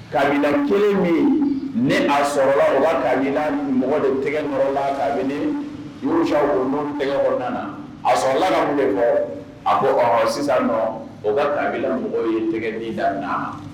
Kabila kelen min ni a sɔrɔla mɔgɔ de tɛgɛ nɔrɔla kabini tɛgɛ kɔnɔna na, a sɔrɔla ka mun de fɔ a ɔhɔ ko sisan nɔ o kabila mɔgɔw ye tɛgɛdi daminɛ